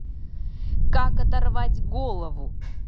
как оторвать голову